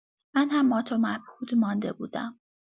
من هم مات‌ومبهوت مانده بودم.